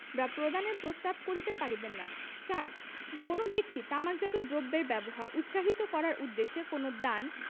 বা প্রদানের প্রস্তাব করিতে পারিবেন না ৪ কোন ব্যক্তি তামাকজাত দ্রব্যের ব্যবহার উৎসাহিত করার উদ্দেশ্যে কোন দান